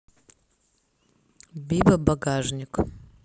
бибо багажник